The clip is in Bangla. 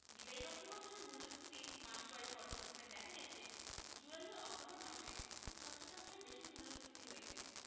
বিদায়ী অর্থবছরের মূল্যস্ফীতির মাসওয়ারি পর্যবেক্ষণে দেখা গেছে জুলাই ও অক্টোবর মাসে ৬ শতাংশের বেশি মূল্যস্ফীতি হয়েছে